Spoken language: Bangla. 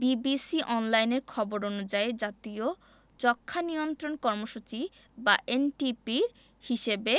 বিবিসি অনলাইনের খবর অনুযায়ী জাতীয় যক্ষ্মা নিয়ন্ত্রণ কর্মসূচি বা এনটিপির হিসেবে